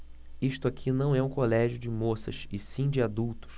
isto aqui não é um colégio de moças e sim de adultos